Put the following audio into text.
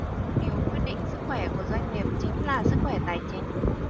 điều quyết định sức khỏe của doanh nghiệp chính là sức khỏe tài chính